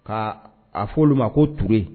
Ka a fɔ olu ma ko ture